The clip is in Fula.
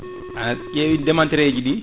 a ƴeewi ndemantereji ɗi